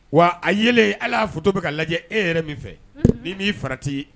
Wa a yelen hal'a photo bɛ ka lajɛ e yɛrɛ min fɛ n'i m'i farati